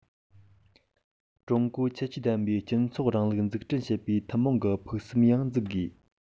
ཀྲུང གོའི ཁྱད ཆོས ལྡན པའི སྤྱི ཚོགས རིང ལུགས འཛུགས སྐྲུན བྱེད པའི ཐུན མོང གི ཕུགས བསམ ཡང འཛུགས དགོས